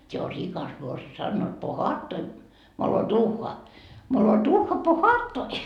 se on rikas morsian sanoivat pohaattoi moloduuhha moloduuhha pohaattoi